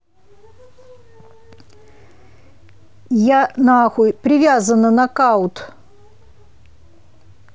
я нахуй привязана нокаут